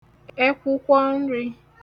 ekwụkwọ nrī